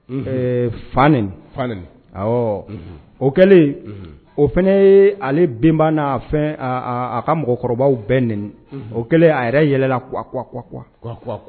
Fa o kɛlen o fana ye ale bɛnenba n'a aaa a ka mɔgɔkɔrɔbaw bɛɛ nin o kɛlen a yɛrɛ yɛlɛla